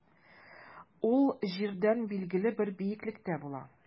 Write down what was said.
Ул җирдән билгеле бер биеклектә була.